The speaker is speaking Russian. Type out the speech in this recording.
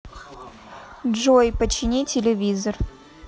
джой почини телевизор